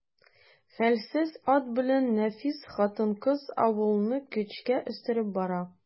Хәлсез ат белән нәфис хатын-кыз авылны көчкә өстерәп бара.